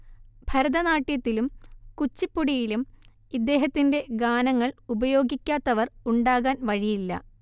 ഭരതനാട്യത്തിലും കുച്ചിപ്പുടിയിലും ഇദ്ദേഹത്തിന്റെ ഗാനങ്ങൾ ഉപയോഗിക്കാത്തവർ ഉണ്ടാകാൻ വഴിയില്ല